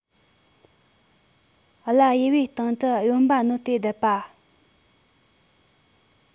བརླ གཡས པའི སྟེང དུ གཡོན པ བསྣོལ ཏེ བསྡད པ